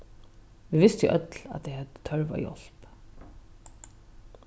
vit vistu øll at tey høvdu tørv á hjálp